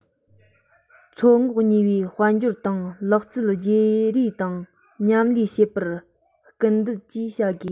མཚོ ངོགས གཉིས པོའི དཔལ འབྱོར དང ལག རྩལ བརྗེ རེས དང མཉམ ལས བྱེད པར སྐུལ སྤེལ བཅས བྱ དགོས